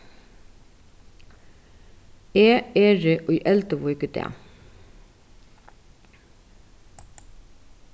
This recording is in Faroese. eg eri í elduvík í dag